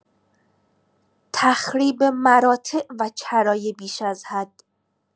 تخریب مراتع و چرای بیش از حد